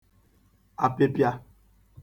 apịpịa